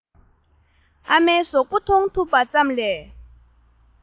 ཨ མའི གཟུགས པོ མཐོང ཐུབ པ ཙམ ལས